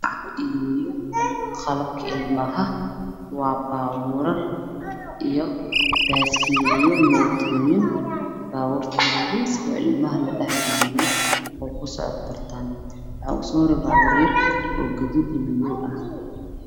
Meeshaan waxaa yaalo qalabka ilmaha yar waa baabuuro iyo baaskiilo, mootooyin, baabuurta yariista oo ilmaha ladhex galiyo oo kusocod bartaan, waxaa ugu soo horeeyo baabuur yar oo gaduud iyo madow ah.